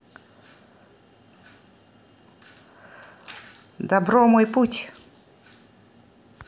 dabro мой путь